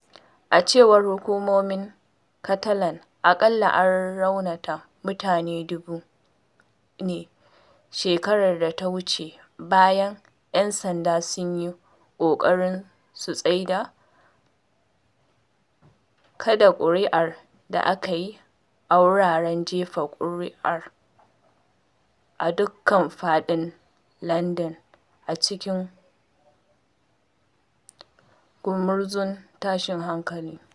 A cewar hukumomin Catalan aƙalla an raunata mutane 1000 ne shekarar da ta wuce bayan ‘yan sanda sun yi ƙoƙarin su tsaida kaɗa ƙuri’ar da ake yi a wuraren jefa ƙuri’ar a dukkan faɗin lardin a cikin gumurzun tashin hankali.